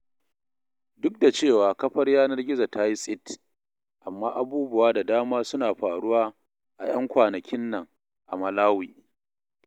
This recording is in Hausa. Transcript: Duk da cewa kafar yanar gizo ta yi tsit, amma abubuwa da dama suna faruwa a 'yan makwannin nan a Malawi.